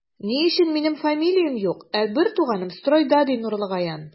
Ни өчен минем фамилиям юк, ә бертуганым стройда, ди Нурлыгаян.